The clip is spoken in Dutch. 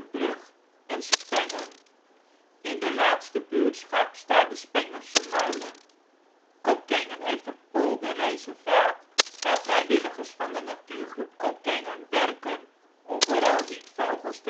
Brug en Spengen. In het laatste buurtschap staat de Spengense Molen. Kockengen heeft een polderreservaat waar vrijwilligers van de Natuurgroep Kockengen werken om vooral rietvogels